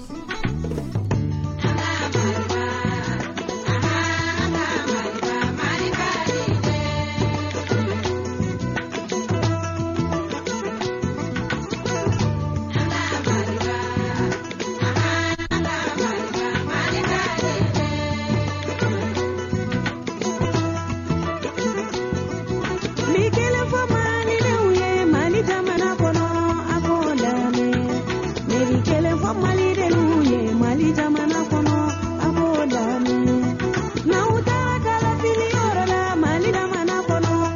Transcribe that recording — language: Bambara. Kari lekari le mɔ ye majakɔrɔ mɔ den ye ma ja kɔnɔ matantigikɔrɔ ma ja kɔnɔ